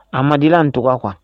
A madira n tɔgɔ kuwa